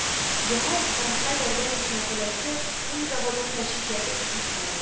Яңа гигантка ярдәм итү мәсьәләсе күн заводын да читләтеп үтмә